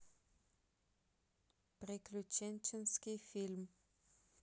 приключенческий фильм